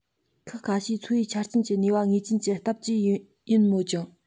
ཁག ཁ ཤས འཚོ བའི ཆ རྐྱེན གྱི ནུས པ ངེས ཅན གྱི སྟབས ཀྱིས ཡིན མོད ཀྱང